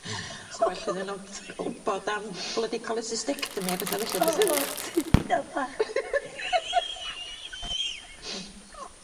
Sa well iddo n'w gwbod am blydi cholecystectomy a betha felly bysan?